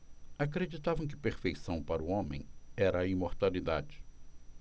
acreditavam que perfeição para o homem era a imortalidade